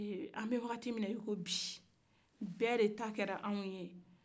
an bɛ waati min na e ko bi bɛɛ de ta kɛra anw ye